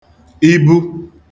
ibu